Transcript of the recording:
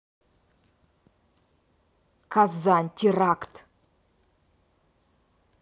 казань теракт